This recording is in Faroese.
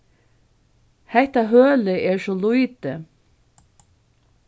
hetta hølið er so lítið